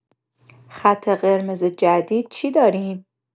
خط قرمز جدید چی داریم؟